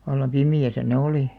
vallan pimeässä ne oli